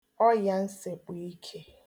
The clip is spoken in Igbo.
ọyànsèkpọike